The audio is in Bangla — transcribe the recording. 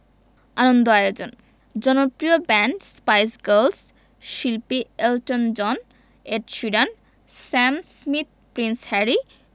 আনন্দ আয়োজন জনপ্রিয় ব্যান্ড স্পাইস গার্লস শিল্পী Elton John Ed Sheeran Sam Smith Prince Harry